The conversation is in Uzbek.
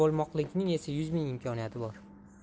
bo'lmoqlikning esa yuz ming imkoniyati bor